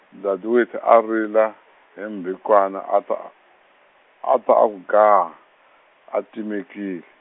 Dadewethu a rila , hi mbhikwana a ta, a ta a ku gaa, a timekile.